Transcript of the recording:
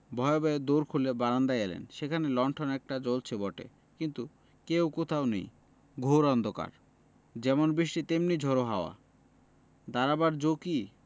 ভয়ে ভয়ে দোর খুলে বারান্দায় এলেন সেখানে লণ্ঠন একটা জ্বলচে বটে কিন্তু কেউ কোথাও নেই ঘোর অন্ধকার যেমন বৃষ্টি তেমনি ঝড়ো হাওয়া দাঁড়াবার জো কি